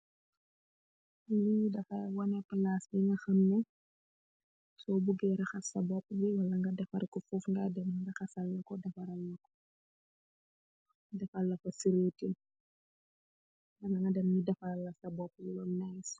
sah garaw bu bahh